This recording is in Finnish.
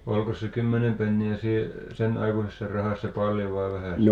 olikos se kymmenen penniä siihen senaikaisessa rahassa paljon vai vähän